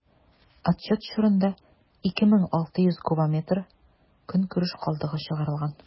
Отчет чорында 2600 кубометр көнкүреш калдыгы чыгарылган.